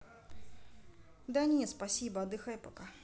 да нет спасибо отдыхай пока